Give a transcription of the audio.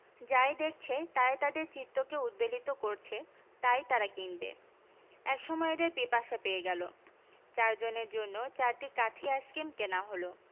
যাই দেখাচ্ছে তাই তাদের চিত্তকে উদ্বেলিত করছে তাই তারা কিনবে এক সময় এদের পিপাসা পেয়ে গেল চারজনের জন্যে চারটি কাঠি আইসক্রিম কেনা হল